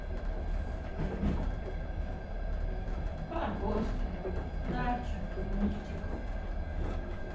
барбоскины дача мультик